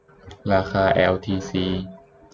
ราคาแอลทีซี